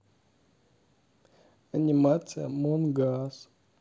анимация амонг ас